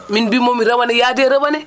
miin bimoomi rawane yahdii e rawani